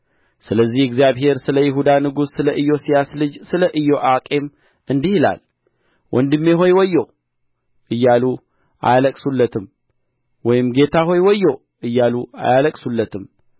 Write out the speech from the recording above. ስለዚህ እግዚአብሔር ስለ ይሁዳ ንጉሥ ስለ ኢዮስያስ ልጅ ስለ ኢዮአቄም እንዲህ ይላል ወንድሜ ሆይ ወዮ እያሉ አያለቅሱለትም ወይም ጌታ ሆይ ወዮ እያሉ አያለቅሱለትም